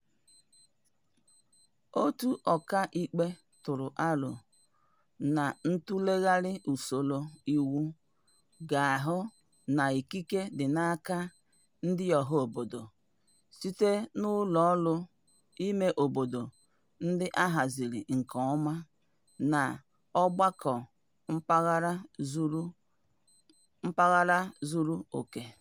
Otu ọkàikpe turu aro na ntụleghari usoro iwu ga-ahụ na ikike dị n'aka ndị ọhaobodo site n'ụlọọrụ imeobodo ndị a haziri nke ọma na ọgbakọ mpaghara zụrụ oke